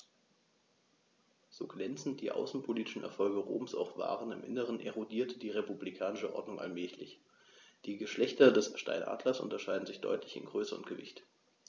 So glänzend die außenpolitischen Erfolge Roms auch waren: Im Inneren erodierte die republikanische Ordnung allmählich. Die Geschlechter des Steinadlers unterscheiden sich deutlich in Größe und Gewicht.